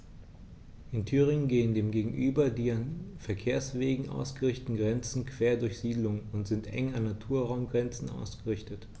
In Thüringen gehen dem gegenüber die an Verkehrswegen ausgerichteten Grenzen quer durch Siedlungen und sind eng an Naturraumgrenzen ausgerichtet.